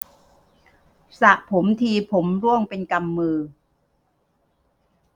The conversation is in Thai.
สระผมทีผมร่วงเป็นกำมือ